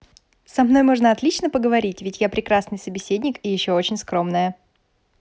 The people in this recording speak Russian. со мной можно отлично поговорить ведь я прекрасный собеседник и еще очень скромная